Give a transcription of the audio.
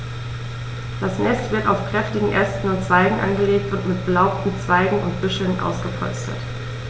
Das Nest wird aus kräftigen Ästen und Zweigen angelegt und mit belaubten Zweigen und Büscheln ausgepolstert.